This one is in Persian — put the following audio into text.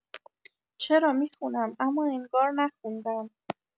چرا می‌خونم اما انگار نخوندم